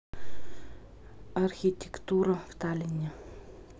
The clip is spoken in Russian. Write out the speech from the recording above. архитектура в таллине